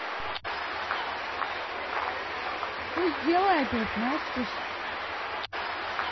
ну сделай опять настежь